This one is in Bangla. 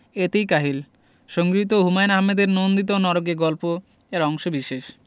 এতেই কাহিল সংগৃহীত হুমায়ুন আহমেদের নন্দিত নরকে গল্প এর অংশবিশেষ